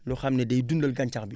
loo xam ne day dunda gàncax bi